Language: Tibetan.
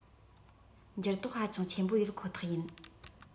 འགྱུར ལྡོག ཧ ཅང ཆེན པོ ཡོད ཁོ ཐག ཡིན